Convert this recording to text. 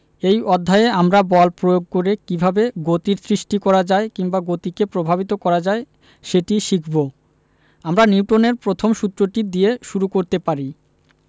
এই অধ্যায়ে আমরা বল প্রয়োগ করে কীভাবে গতির সৃষ্টি করা যায় কিংবা গতিকে প্রভাবিত করা যায় সেটি শিখব আমরা নিউটনের প্রথম সূত্রটি দিয়ে শুরু করতে পারি